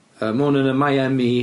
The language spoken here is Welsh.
Yy ma' 'wn yn y Miami...